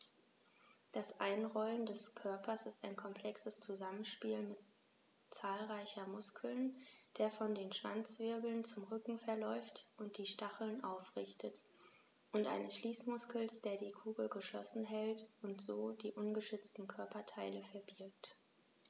Das Einrollen des Körpers ist ein komplexes Zusammenspiel zahlreicher Muskeln, der von den Schwanzwirbeln zum Rücken verläuft und die Stacheln aufrichtet, und eines Schließmuskels, der die Kugel geschlossen hält und so die ungeschützten Körperteile verbirgt.